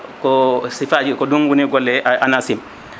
ko siifaji ko ɗum woni golle ANACIM